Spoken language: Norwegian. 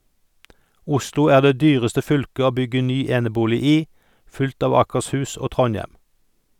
Oslo er det dyreste fylket å bygge ny enebolig i, fulgt av Akershus og Trondheim.